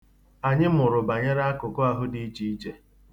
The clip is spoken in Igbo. Anyị mụrụ banyere akụkụ ahụ dị iche iche.